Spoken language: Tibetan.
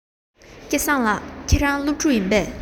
སྐལ བཟང ལགས ཁྱེད རང སློབ ཕྲུག ཡིན པས